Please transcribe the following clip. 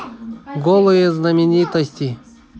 голые знаменитости